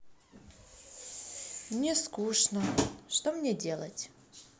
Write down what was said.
мне скучно что мне делать